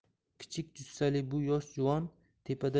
kichik jussali bu yosh juvon tepada